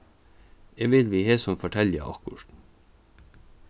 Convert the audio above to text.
eg vil við hesum fortelja okkurt